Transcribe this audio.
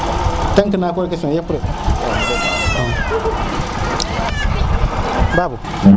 tontu na question yi yëp rek Babou